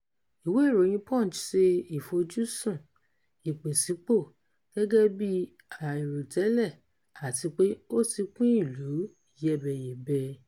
Ìwé ìròyìn Punch ṣe ìfojúsùn "ìpèsípò" gẹ́gẹ́ bí "àìròtẹ́lẹ̀ " àti pé ó ti pín ìlú yẹ́bẹyẹ̀bẹ.